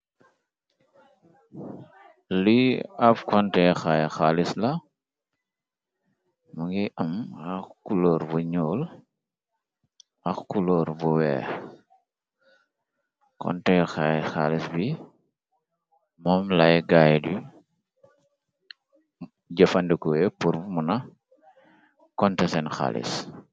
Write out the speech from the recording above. Li ab konte kaay xaalis la , mu ngi am ak kuloor bu ñuul ak kuloor bu weex. Konte kaay xaalis bi moom laay gaayr yu jëfandekowe pur muna konte seen xaalis.